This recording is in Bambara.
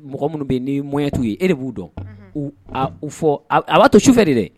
Mɔgɔ minnu bɛ yen ni moyen t'u ye, e de b'u dɔn, unhun, u fɔ, a b'a to sufɛ de dɛ.